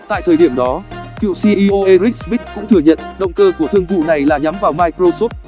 tại thời điểm đó cựu ceo eric schmidt cũng thừa nhận động cơ của thương vụ này là nhắm vào microsoft